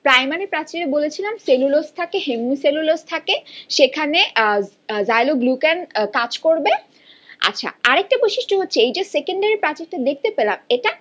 primary প্রাচীরে বলেছিলাম cellulose থাকে হেমিসেলুলোজ থাকে সেখানে জাইলো গ্লুকেন কাজ করবে আচ্ছা আরেকটা বৈশিষ্ট্য হচ্ছে এজে সেকেন্ডারি প্রাচীন টা দেখতে পেলাম এটা